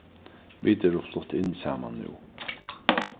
vit eru flutt inn saman nú